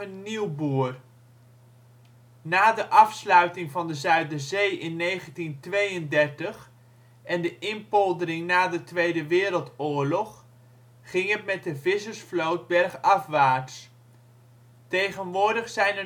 Nieuwboer. Na de afsluiting van de Zuiderzee in 1932 en de inpoldering na de Tweede Wereldoorlog ging het met de vissersvloot bergafwaarts. Tegenwoordig zijn